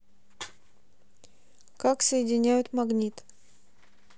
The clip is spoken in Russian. как соединяют магнит